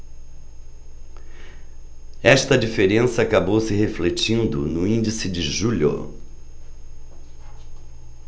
esta diferença acabou se refletindo no índice de julho